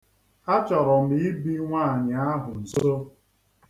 A chọrọ m ibidebe nwaanyị ahu nso.